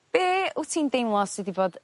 Be' wt ti'n deimlo sy 'di bod